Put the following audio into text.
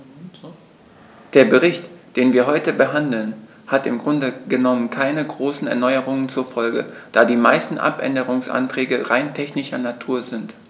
Der Bericht, den wir heute behandeln, hat im Grunde genommen keine großen Erneuerungen zur Folge, da die meisten Abänderungsanträge rein technischer Natur sind.